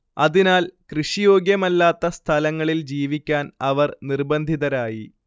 അതിനാൽ കൃഷി യോഗ്യമല്ലാത്ത സ്ഥലങ്ങളിൽ ജീവിക്കാൻ അവർ നിർബന്ധിതരായി